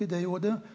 det gjorde det.